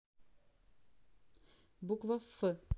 буква ф